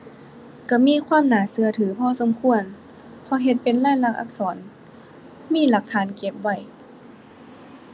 ก็มีความน่าก็ถือพอสมควร เพราะเฮ็ดเป็นลายลักษณ์อักษร มีหลักฐานเก็บไว้